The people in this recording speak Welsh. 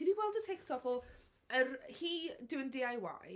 Ti 'di gweld y TikTok o yr... hi doin' DIY.